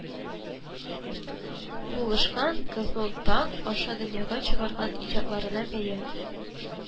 Булышкан, «кызыл таң» аша дөньяга чыгарган, иҗатларына бәя